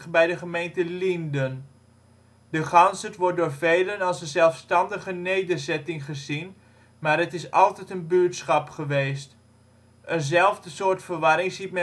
bij de gemeente Lienden. De Ganzert wordt door velen als een zelfstandige nederzetting gezien, maar het is altijd een buurtschap geweest. Eenzelfde soort verwarring ziet